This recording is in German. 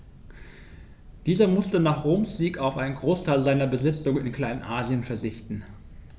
Dieser musste nach Roms Sieg auf einen Großteil seiner Besitzungen in Kleinasien verzichten.